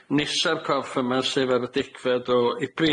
nesa'r corff yma, sef ar y degfed o Ebrill.